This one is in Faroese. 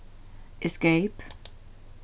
escape